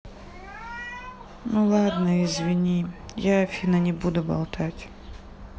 ну ладно извини я афина не буду болтать